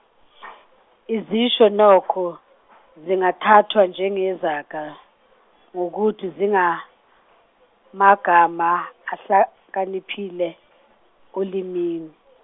izisho nazo, zingathathwa njengezaga, ngokuthi zingamagama ahlakaniphile, olimini.